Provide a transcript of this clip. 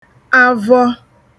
avọ